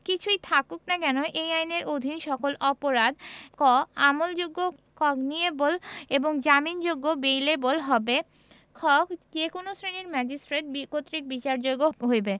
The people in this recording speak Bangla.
কিছুই থাকুক না কেন এই আইনের অধীন সকল অপরাধঃ ক আমলযোগ্য কগনিযেবল এবং জামিনযোগ্য বেইলএবল হইবে খ যে কোন শ্রেণীর ম্যাজিস্ট্রেট কর্তৃক বিচারযোগ্য হইবে